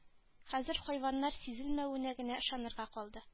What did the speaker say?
Хәзер хайваннар сиземләвенә генә ышанырга калды